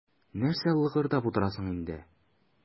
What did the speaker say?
Нәрсә лыгырдап утырасың инде.